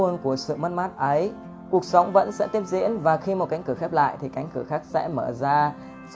tạm gác lại những nối buồn của sự mất mát ấy cuộc sống vẫn sẽ tiếp diễn và khi cánh cửa khép lại thì cánh cửa khác sẽ mở ra